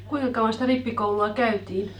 kuinka kauan sitä rippikoulua käytiin